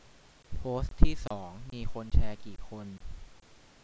โพสต์ที่สองมีคนแชร์กี่คน